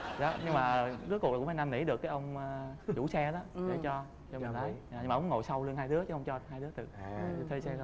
đó nhưng mà rốt cuộc là cũng phải năn nỉ được cái ông chủ xe đó để cho cho mình lái nhưng mà ông ngồi sau lưng hai đứa chứ không hai đứa tự thuê xe thôi